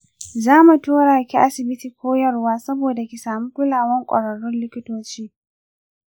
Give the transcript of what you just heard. zamu turaki asibitin koyarwa saboda ki samu kulawan kwararru likitoci.